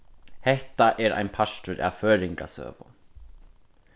hetta er ein partur av føroyingasøgu